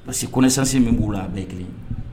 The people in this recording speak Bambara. Parceri que koɛsansin b'o la a bɛɛ kelen